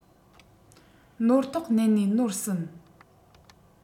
ནོར ཐོག བསྣན ནས ནོར ཟིན